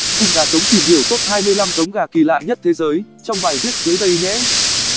cùng gà trống tìm hiểu top giống gà kỳ lạ nhất thế giới trong bài viết dưới đây nhé